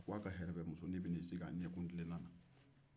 o hɛrɛbɛmusonin bɛ n'i sigi a ɲɛkunilenna na